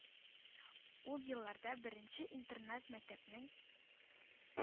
Ул елларда беренче интернат-мәктәпнең